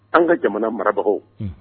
An ka jamana marabagaw